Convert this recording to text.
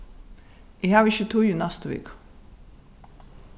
eg havi ikki tíð í næstu viku